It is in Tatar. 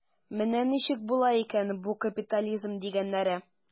Менә ничек була икән бу капитализм дигәннәре.